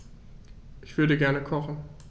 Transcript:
Ich würde gerne kochen.